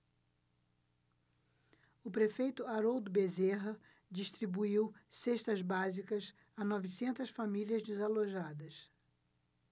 o prefeito haroldo bezerra distribuiu cestas básicas a novecentas famílias desalojadas